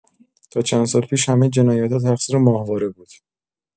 تا چند سال پیش همه جنایتا تقصیر ماهواره بود.